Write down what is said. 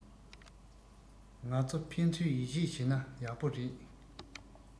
ང ཚོ ཕན ཚུན ཡིད ཆེད བྱེད ན ཡག པོ རེད